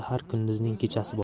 har kunduzning kechasi bor